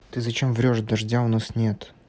ты зачем врешь дождя у нас нет